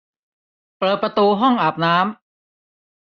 เปิดประตูห้องอาบน้ำ